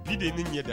Bi de ye nin ɲɛ da